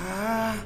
Ahaa